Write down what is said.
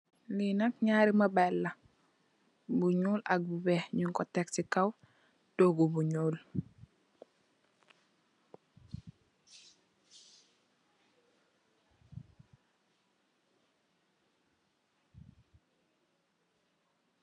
Lii nak ñaari mobile la, bu ñuul ak bu weeh, ñungko tek si kaw toogu bu ñuul.